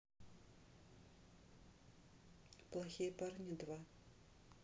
плохие парни два